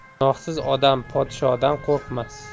gunohsiz odam podshodan qo'rqmas